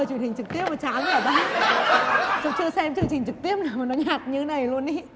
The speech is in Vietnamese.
truyền hình trực tiếp chán nhỉ cháu chưa xem chương trình trực tiếp nào nó nhạt như này luôn ý